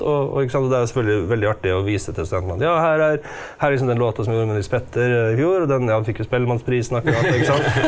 og og ikke sant og det er jo selvfølgelig veldig artig å vise til studentene at ja her er her er liksom den låta som jeg gjorde med Nils Petter i fjor og den ja han fikk jo Spellemannprisen akkurat og ikke sant.